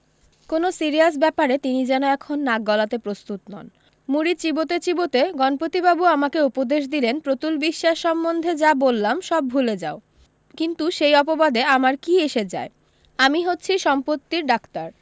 কোনো সিরিয়াস ব্যাপারে তিনি যেন এখন নাক গলাতে প্রস্তুত নন মুড়ি চিবোতে চিবোতে গণপতিবাবু আমাকে উপদেশ দিলেন প্রতুল বিশ্বাস সম্বন্ধে যা বললাম সব ভুলে যাও কিন্তু সেই অপবাদে আমার কী এসে যায় আমি হচ্ছি সম্পত্তির ডাক্তার